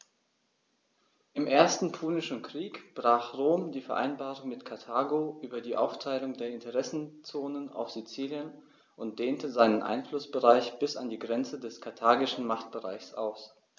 Im Ersten Punischen Krieg brach Rom die Vereinbarung mit Karthago über die Aufteilung der Interessenzonen auf Sizilien und dehnte seinen Einflussbereich bis an die Grenze des karthagischen Machtbereichs aus.